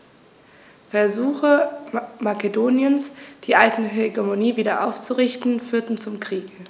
Versuche Makedoniens, die alte Hegemonie wieder aufzurichten, führten zum Krieg.